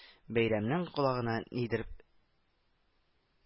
Бәйрәмнең колагына нидер